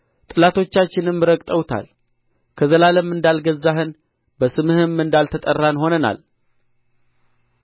ጠላቶቻችንም ረግጠውታል ከዘላለም እንዳልገዛኸን በስምህም እንዳልተጠራን ሆነናል